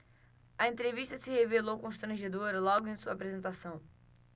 a entrevista se revelou constrangedora logo em sua apresentação